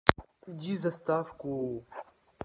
иди заставку